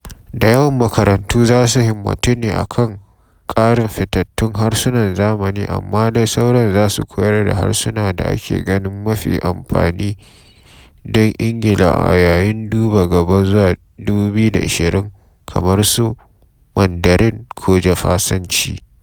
Da yawan makarantu za su himmatu ne a kan karin fitattun harsunan zamani, amma dai sauran za su koyar da harsuna da ake ganin mafi amfani don Ingila a yayin duba gaba zuwa 2020, kamar su Mandarin ko Jafanisanci.